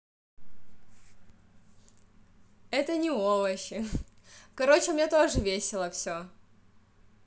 это не овощи короче у меня тоже весело все